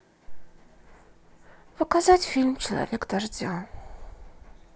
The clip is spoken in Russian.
показать фильм человек дождя